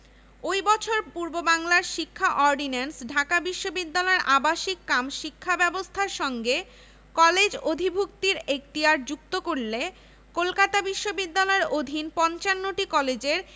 রসায়ন এবং অর্থনীতি অনুষদের ওপর এ ব্যয় সংকোচনের প্রতিকূল প্রভাব পড়বে মি. হার্টগ জানান যে